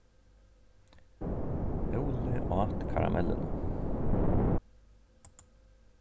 óli át karamelluna